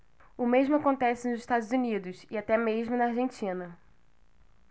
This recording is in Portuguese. o mesmo acontece nos estados unidos e até mesmo na argentina